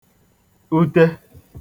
ute